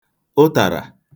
ụtàrà